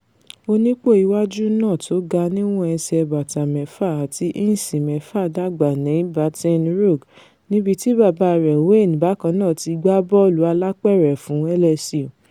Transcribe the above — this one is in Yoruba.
Onípo-iwáju náà tóga níwọ̀n ẹsẹ̀ bàtà mẹ́fà àti íǹsì mẹ́fà dàgbà ní Baton Rouge, nibiti bàbá rẹ̀, Wayne, bákannáà ti gbá bọ́ọ̀lù alápẹ̀rẹ̀ fún LSU.